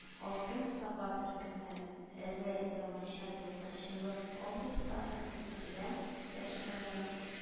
«алтын саба» төркеме эре заманча дуңгызчылык комплекслары төзү белән дә шөгыльләнә